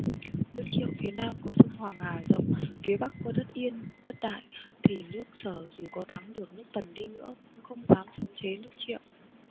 nước triệu phía nam có sông hoàng hà rộng phía bắc có đất yên đất đại thì nước sở dù có thắng được nước tần đi nữa cũng không dám khống chế nước triệu